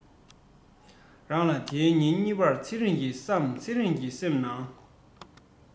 རང ལ དེའི ཉིན གཉིས པར ཚེ རིང གི བསམ ཚེ རང གི སེམས ནང